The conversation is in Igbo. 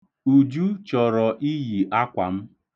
Uju choro iyi akwa m.